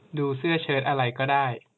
ดูเสื้อเชิร์ตอะไรก็ได้